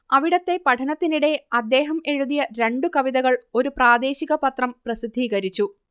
അവിടത്തെ പഠനത്തിനിടെ അദ്ദേഹം എഴുതിയ രണ്ടു കവിതകൾ ഒരു പ്രാദേശിക പത്രം പ്രസിദ്ധീകരിച്ചു